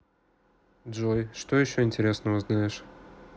джой что еще интересного знаешь